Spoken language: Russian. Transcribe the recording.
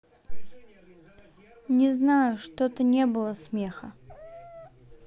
не знаю что то не было смеха